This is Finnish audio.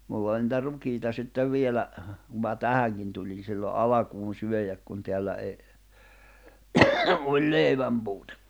minulla oli niitä rukiita sitten vielä kun minä tähänkin tulin silloin alkuun syödä kun täällä ei ollut leivänpuute